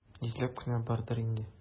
Йөзләп кенә бардыр инде.